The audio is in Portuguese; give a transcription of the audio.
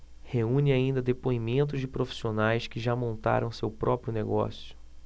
reúne ainda depoimentos de profissionais que já montaram seu próprio negócio